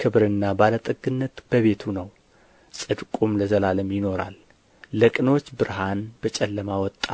ክብርና ባለጠግነት በቤቱ ነው ጽድቁም ለዘላለም ይኖራል ለቅኖች ብርሃን በጨለማ ወጣ